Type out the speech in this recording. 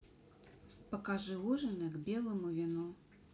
покажи ужины к белому вину